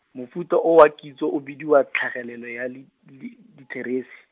mofuta o wa kitso o bidiwa tlhagelelo ya li-, li- litheresi.